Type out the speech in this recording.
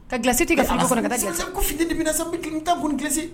Ka gsi tigɛ fanga fi sa bon gese